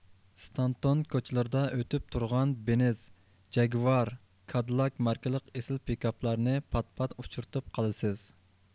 ستانتون كوچىلىرىدا ئۆتۈپ تۇرغان بېنېز جەگۋار كادىلاك ماركىلىق ئېسىل پىكاپلارنى پات پات ئۇچرىتىپ قالىسىز